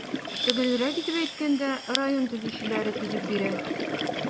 Төгәлрәк итеп әйткәндә, район төзүчеләре төзеп бирә.